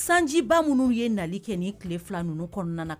Sanjiba minnu ye nali kɛ ni tile fila ninnu kɔnɔna na